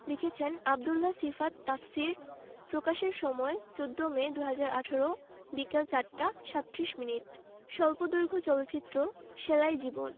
লিখেছেন আব্দুল্লাহ সিফাত তাফসীর প্রকাশের সময় ১৪মে ২০১৮ বিকেল ৪ টা ৩৭ মিনিট স্বল্পদৈর্ঘ্য চলচ্চিত্র সেলাই জীবন